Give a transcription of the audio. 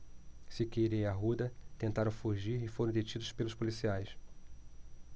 siqueira e arruda tentaram fugir e foram detidos pelos policiais